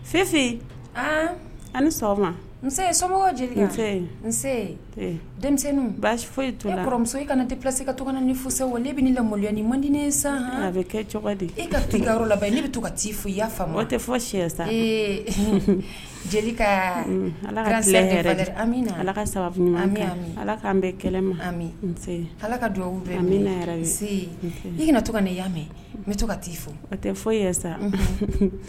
Foyimuso e kana tɛ ka ni fusa bɛ ne la maloya ni man san bɛ kɛ e ka la ne bɛ to ka foyi ya tɛ fɔ si ala ami ka alaan bɛ ami ala ka ami i kana to ka ne yamɛ n bɛ to ka taa fɔ tɛ foyi sa